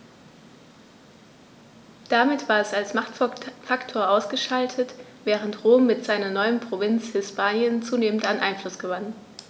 Damit war es als Machtfaktor ausgeschaltet, während Rom mit seiner neuen Provinz Hispanien zunehmend an Einfluss gewann.